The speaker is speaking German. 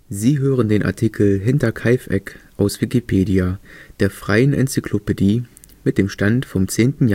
Sie hören den Artikel Hinterkaifeck, aus Wikipedia, der freien Enzyklopädie. Mit dem Stand vom Der